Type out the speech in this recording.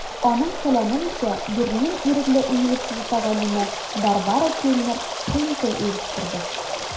Аның сәламен исә Берлин Ирекле университеты галиме Барбара Кельнер-Хейнкель ирештерде.